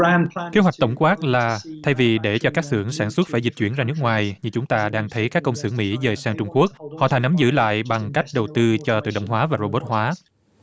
kế hoạch tổng quát là thay vì để cho các xưởng sản xuất phải dịch chuyển ra nước ngoài như chúng ta đang thấy các công xưởng mỹ dời sang trung quốc họ thà nắm giữ lại bằng cách đầu tư cho tự động hóa và rô bốt hóa